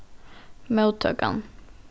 móttøkan